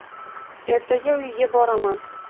ertaga uyiga boraman